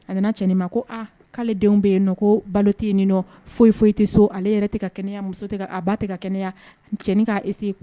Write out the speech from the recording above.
A nana cɛni ma ko aa k'ale denw be yen nɔ ko balo te yeni nɔ foyi foyi te so ale yɛrɛ tɛ ka kɛnɛya muso tɛ ka a ba tɛ ka kɛnɛya cɛnin k'a essayer